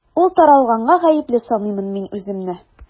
Ул таралганга гаепле саныймын мин үземне.